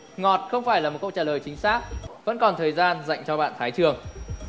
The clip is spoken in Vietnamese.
ngọt không phải là một câu trả lời chính xác vẫn còn thời gian dành cho bạn thái trường